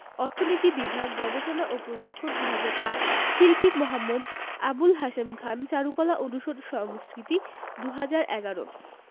অর্থনীতি বিভাগ গবেষণা ও প্রশিক্ষণ ২০০৮ শিল্পী মু. আবুল হাশেম খান চারুকলা অনুষদ সংস্কৃতি ২০১১